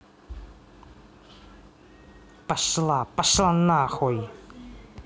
пошла пошла нахуй